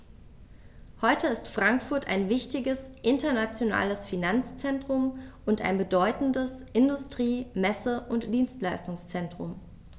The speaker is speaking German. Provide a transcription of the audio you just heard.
Heute ist Frankfurt ein wichtiges, internationales Finanzzentrum und ein bedeutendes Industrie-, Messe- und Dienstleistungszentrum.